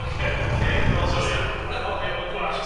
Ie ca- ocê ocê yn ôl i'r stori anghofio am y gwallt...